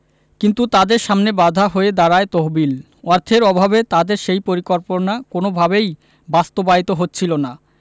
কিন্তু তাদের সামনে বাধা হয়ে দাঁড়ায় তহবিল অর্থের অভাবে তাদের সেই পরিকল্পনা কোনওভাবেই বাস্তবায়িত হচ্ছিল না